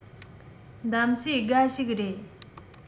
གདམས གསེས དགའ ཞིག རེད